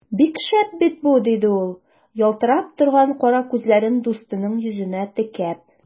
Бик шәп бит бу! - диде ул, ялтырап торган кара күзләрен дустының йөзенә текәп.